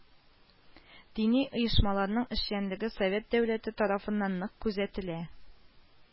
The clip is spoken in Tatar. Дини оешмаларның эшчәнлеге Совет дәүләте тарафыннан нык күзәтелә